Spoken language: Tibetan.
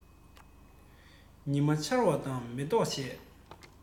ཉི མ འཆར བ དང མེ ཏོག བཞད